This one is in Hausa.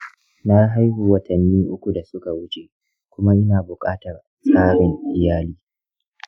na haihu watanni uku da suka wuce kuma ina buƙatar tsarin iyali.